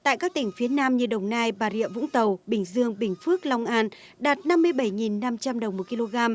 tại các tỉnh phía nam như đồng nai bà rịa vũng tàu bình dương bình phước long an đạt năm mươi bảy nghìn năm trăm đồng một ki lô gam